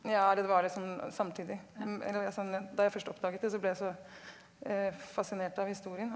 ja eller det var litt sånn samtidig eller altså da jeg først oppdaget det så ble jeg så fascinert av historien.